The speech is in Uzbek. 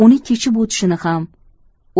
uni kechib o'tishini ham